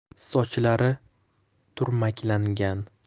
sochlari turmaklangan